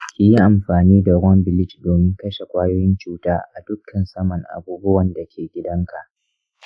ki yi amfani da ruwan bleach domin kashe kwayoyin cuta a dukkan saman abubuwan da ke gidanka.